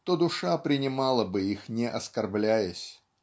то душа принимала бы их не оскорбляясь.